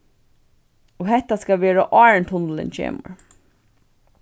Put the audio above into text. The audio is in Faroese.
og hetta skal vera áðrenn tunnilin kemur